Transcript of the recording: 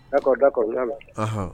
Da k'o da kɔnɔna ma